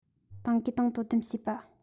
ཏང གིས ཏང དོ དམ བྱེད པ